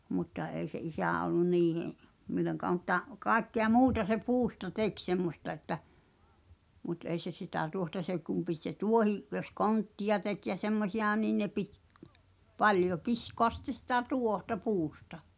mutta ei se isä ollut niiden milloinkaan mutta kaikkea muuta se puusta teki semmoista että mutta ei se sitä tuohta se kun piti se tuohi jos konttia teki ja semmoisia niin ne piti paljon kiskoa sitten sitä tuohta puusta